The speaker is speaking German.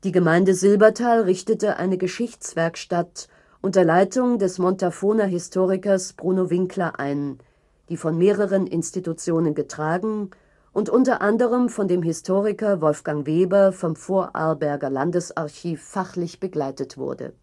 Gemeinde Silbertal richtete eine Geschichtswerkstatt unter Leitung des Montafoner Historikers Bruno Winkler ein, die von mehreren Institutionen getragen und unter anderem von dem Historiker Wolfgang Weber vom Vorarlberger Landesarchiv fachlich begleitet wurde